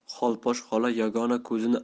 xolposh xola yagona ko'zini